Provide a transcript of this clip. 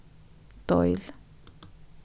deil